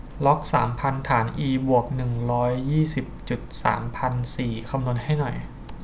ล็อกสามพันฐานอีบวกหนึ่งร้อยยี่สิบจุดสามพันสี่คำนวณให้หน่อย